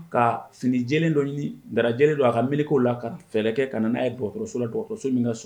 Ka fini jɛlen dɔ ɲigin dra jɛlen dɔ a ka meleke o la ka fɛɛrɛ kɛ ka na n'a ye dɔgɔtɔrɔso la dɔgɔtɔrɔso min ka surun